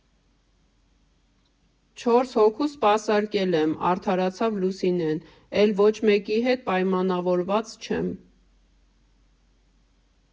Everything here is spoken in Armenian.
Չորս հոգու սպասարկել եմ, ֊ արդարացավ Լուսինեն, ֊ էլ ոչ մեկի հետ պայմանավորված չեմ։